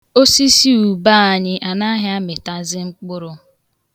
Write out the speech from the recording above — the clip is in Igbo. Osisi ube anyị anyị anaghị amịtazị mkpụrụ.